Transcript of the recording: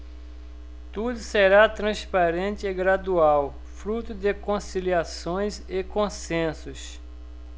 tudo será transparente e gradual fruto de conciliações e consensos